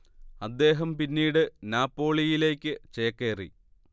അദ്ദേഹം പിന്നീട് നാപ്പോളിയിലേക്ക് ചേക്കേറി